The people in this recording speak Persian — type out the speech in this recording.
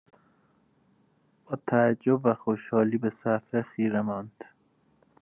با تعجب و خوشحالی به صفحه خیره ماند.